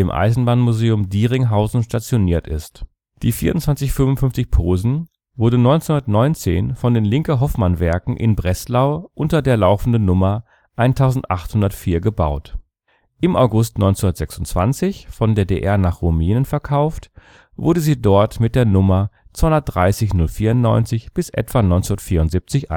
Eisenbahnmuseum Dieringhausen stationiert ist. Die 2455 Posen wurde 1919 von den Linke-Hofmann-Werken in Breslau unter der laufenden Nummer 1804 gebaut. Im August 1926 von der DR nach Rumänien verkauft, wurde sie dort mit der Nummer 230 094 bis etwa 1974 eingesetzt